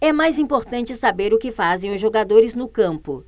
é mais importante saber o que fazem os jogadores no campo